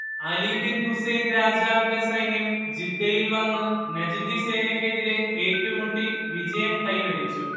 Ali bin Hussein രാജാവിന്റെ സൈന്യം ജിദ്ദയിൽ വന്നു നജദി സേനക്കെതിരെ ഏറ്റു മുട്ടി വിജയം കൈവരിച്ചു